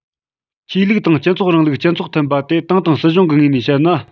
ཆོས ལུགས དང སྤྱི ཚོགས རིང ལུགས སྤྱི ཚོགས མཐུན པ དེ ཏང དང སྲིད གཞུང གི ངོས ནས བཤད ན